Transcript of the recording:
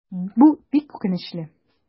Бу бик үкенечле.